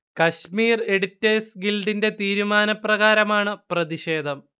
Kashmir editors ഗിൽഡിന്റെ തീരുമാനപ്രകാരമാണ് പ്രതിഷേധം